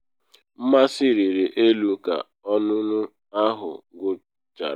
Mmasị rịrị elu ka ọnụnụ ahụ gwụchara.